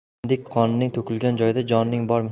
kindik qoning to'kilgan joyda joning